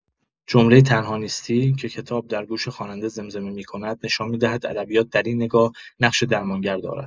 جمله «تنها نیستی» که کتاب در گوش خواننده زمزمه می‌کند، نشان می‌دهد ادبیات در این نگاه، نقش درمانگر دارد؛